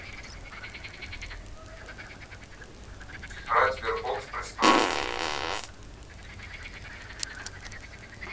играть в sberbox приставку